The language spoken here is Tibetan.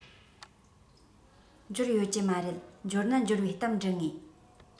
འབྱོར ཡོད ཀྱི མ རེད འབྱོར ན འབྱོར བའི གཏམ འབྲི ངེས